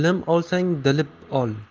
bilim olsang bilib ol